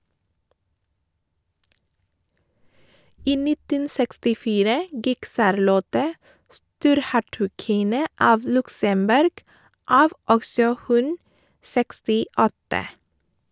I 1964 gikk Charlotte, storhertuginne av Luxembourg, av, også hun 68.